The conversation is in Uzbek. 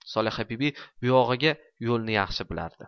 solihabibi buyog'iga yo'lni yaxshi bilardi